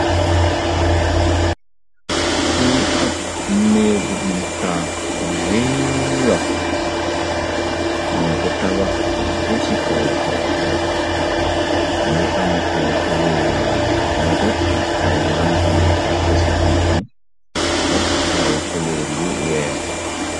fuy ab neegun taax bu rëy lax nën ko tabax be ci kawakawakaw ngi am ay kuloor yu nete ak ay lamp luy tàkk ci biiram ak ay kulour yu weax